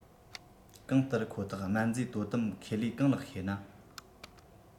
གང ལྟར ཁོ ཐག སྨན རྫས དོ དམ ཁེ ལས གང ལགས ཤེ ན